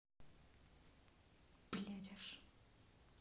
блядь аж